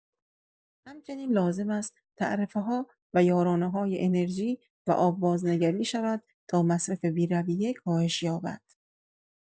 همچنین لازم است تعرفه‌ها و یارانه‌های انرژی و آب بازنگری شود تا مصرف بی‌رویه کاهش یابد.